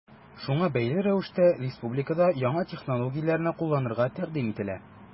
Шуңа бәйле рәвештә республикада яңа технологияне кулланырга тәкъдим ителә.